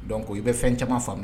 Dɔn i bɛ fɛn caman faamu